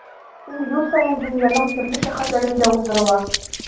Ул ел саен дөньяның төрле шәһәрләрендә уздырыла.